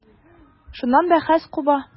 Шуннан бәхәс куба.